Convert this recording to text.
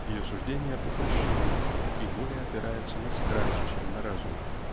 ее суждения упрощены и более опираются на страсть, чем на разум.